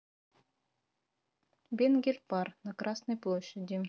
бенгель пар на красной площади